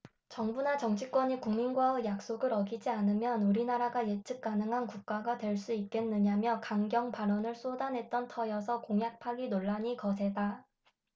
정부나 정치권이 국민과의 약속을 어기지 않으면 우리나라가 예측 가능한 국가가 될 수 있겠느냐며 강경 발언을 쏟아냈던 터여서 공약 파기 논란이 거세다